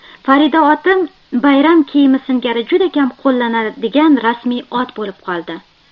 farida otim bayram kiyimi singari juda kam qo'llanadigan rasmiy ot bo'lib qoldi